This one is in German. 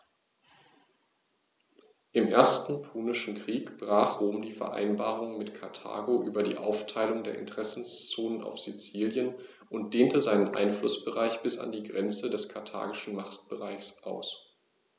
Im Ersten Punischen Krieg brach Rom die Vereinbarung mit Karthago über die Aufteilung der Interessenzonen auf Sizilien und dehnte seinen Einflussbereich bis an die Grenze des karthagischen Machtbereichs aus.